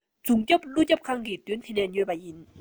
རྫོང རྒྱབ ཀླུ ཁང གི མདུན དེ ནས ཉོས པ ཡིན